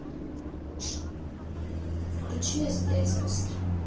включи стс быстро